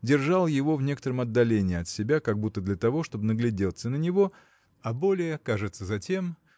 держал его в некотором отдалении от себя как будто для того чтобы наглядеться на него а более кажется затем